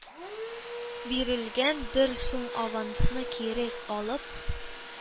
Бирелгән бер сум авансны кире алып,